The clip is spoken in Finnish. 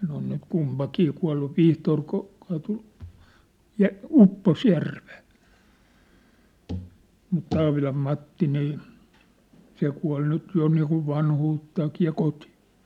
ne on nyt kumpikin kuollut Vihtori - kaatui ja upposi järveen mutta Taavilan Matti niin se kuoli nyt jo niin kuin vanhuuttaankin ja kotiin